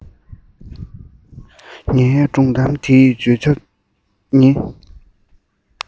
ངའི སྒྲུང གཏམ འདིའི བརྗོད བྱ ནི